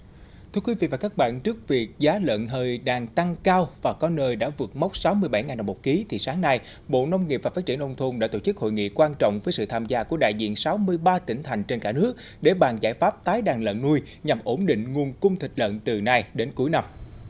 thưa quý vị và các bạn trước việc giá lợn hơi đang tăng cao và có nơi đã vượt mốc sáu mươi bảy ngàn đồng một kí thì sáng nay bộ nông nghiệp và phát triển nông thôn đã tổ chức hội nghị quan trọng với sự tham gia của đại diện sáu mươi ba tỉnh thành trên cả nước để bàn giải pháp tái đàn lợn nuôi nhằm ổn định nguồn cung thịt lợn từ nay đến cuối năm